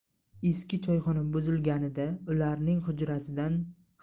eski choyxona buzilganida ularning